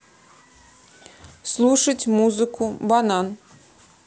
слушать музыку банан